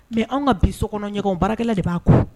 Mɛ an ka bi sokɔnɔ ɲɛgɛn baarakɛ de b'a kun